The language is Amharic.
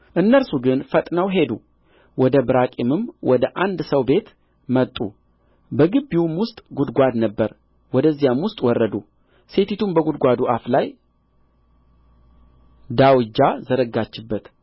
እነርሱ ግን ፈጥነው ሄዱ ወደ ብራቂምም ወደ አንድ ሰው ቤት መጡ በግቢውም ውስጥ ጕድጓድ ነበረ ወደዚያም ውስጥ ወረዱ ሴቲቱም በጕድጓድ አፍ ላይ ዳውጃ ዘረጋችበት